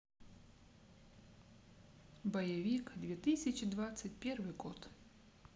боевик две тысячи двадцать первый год